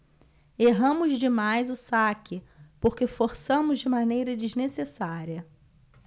erramos demais o saque porque forçamos de maneira desnecessária